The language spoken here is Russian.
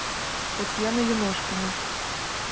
татьяна юношкина